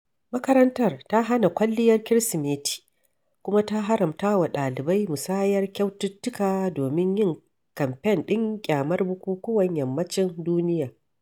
Makarantar ta hana kwalliyar Kirsimeti kuma ta haramta wa ɗalibai musayar kyaututtuka domin yin kamfen ɗin ƙyamar bukukuwan yammacin duniya.